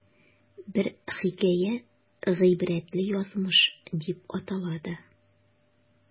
Бер хикәя "Гыйбрәтле язмыш" дип атала да.